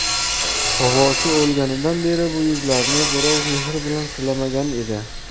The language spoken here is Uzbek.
bobosi o'lganidan beri bu yuzlarni birov mehr bilan silamagan edi